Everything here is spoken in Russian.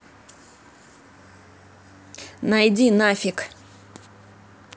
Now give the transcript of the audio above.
найди нафиг